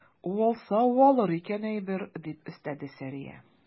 Уалса уалыр икән әйбер, - дип өстәде Сәрия.